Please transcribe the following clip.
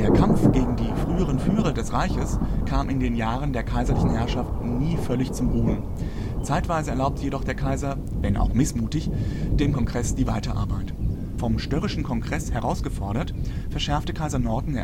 Kampf gegen die früheren Führer des Reiches kam in den Jahren der kaiserlichen Herrschaft nie völlig zum Ruhen. Zeitweise erlaubte jedoch der Kaiser – wenn auch missmutig – dem Kongress die Weiterarbeit. Vom störrischen Kongress herausgefordert, verschärfte Kaiser Norton